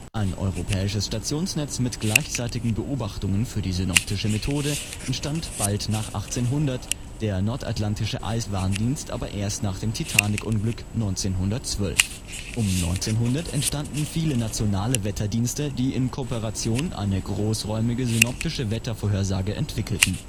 Ein europäisches Stationsnetz mit gleichzeitigen Beobachtungen für die synoptische Methode entstand bald nach 1800, der nordatlantische Eis-Warndienst aber erst nach dem Titanic-Unglück, 1912. Um 1900 entstanden viele nationale Wetterdienste, die in Kooperation eine großräumige synoptische Wettervorhersage entwickelten